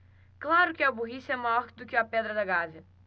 claro que a burrice é maior do que a pedra da gávea